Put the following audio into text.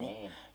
niin